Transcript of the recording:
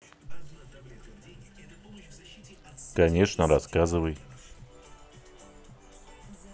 конечно рассказывай